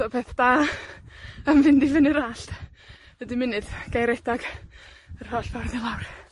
So peth da, am fynd i fyny'r allt, ydi munud, gei redag, yr holl ffordd i lawr.